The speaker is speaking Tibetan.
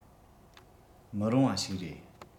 མི རུང བ ཞིག རེད